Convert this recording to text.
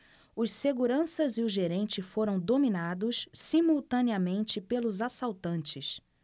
os seguranças e o gerente foram dominados simultaneamente pelos assaltantes